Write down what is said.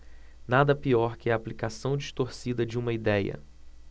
nada pior que a aplicação distorcida de uma idéia